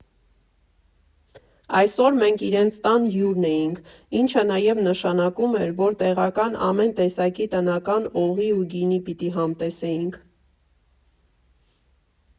Այսօր մենք իրենց տան հյուրերն էինք, ինչը նաև նշանակում էր, որ տեղական ամեն տեսակի տնական օղի ու գինի պիտի համտեսեինք։